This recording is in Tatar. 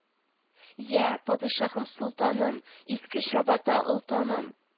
— йә, падишаһым-солтаным, иске чабата олтаным